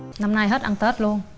năm nay hết ăn tết luôn